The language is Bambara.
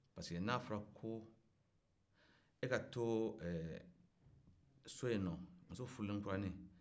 parce que n'a fɔra ko e ka to so yen no muso furulen kurani